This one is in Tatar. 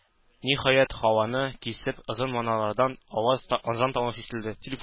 Ниһаять, һаваны кисеп озын манаралардан азан тавышы ишетелде.